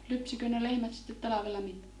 lypsikö ne lehmät sitten talvella mitään